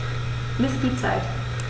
Miss die Zeit.